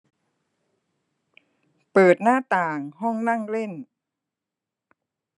เปิดหน้าต่างห้องนั่งเล่น